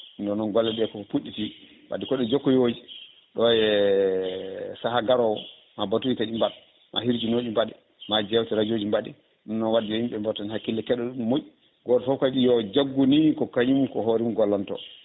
nde wonno golleɗe koko puɗɗiti wadde koɗe jokkoyoje ɗo ye saaha garowo ma baatuji kadi mbaat ma hirjinoje mbaat ma jewte radio ji mbaɗe ɗum noon wadde yo yimɓe battu hen hakkille keɗoɗon no moƴƴi goto foof kadi yo jaggu ni ko kañum ko hoore mum gollonto